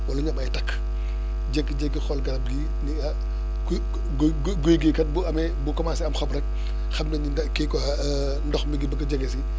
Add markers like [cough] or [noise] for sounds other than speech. wala ñu am ay takk jékki-jékki xool garab gii ne ah gu gu guy gii kat bu amee bu commencé am xob rek xam nañ ni na kii quoi [hesitation] ndox mi ngi bëgg a jege si